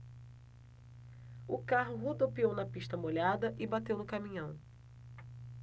o carro rodopiou na pista molhada e bateu no caminhão